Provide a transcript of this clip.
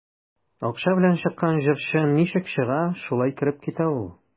Акча белән чыккан җырчы ничек чыга, шулай кереп китә ул.